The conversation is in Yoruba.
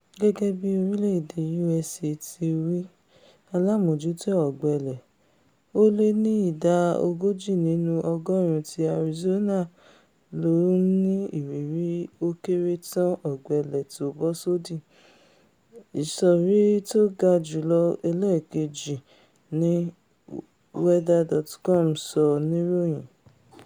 Gẹ́gẹ́bí orílẹ̀-èdè U.S. ti wí Aláàmójútó Ọ̀gbẹlẹ̀, ó lé ní ìdá ogójì nínú ọgọ́ọ̀rún ti Arizona ló ńní ìrírì ó kéré tán ọ̀gbẹlẹ̀ tó bọ́ sódì, ìṣọ̀rí tóga jùlọ ẹlẹ́ẹ̀keji,'' ní weather.com sọ níròyìn.